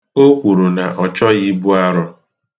O kwuru na ọ chọghị ibu arọ.